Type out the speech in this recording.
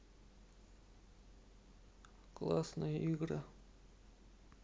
классные игры